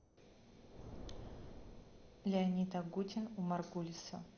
леонид агутин у маргулиса